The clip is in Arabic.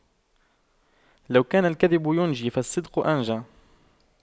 لو كان الكذب ينجي فالصدق أنجى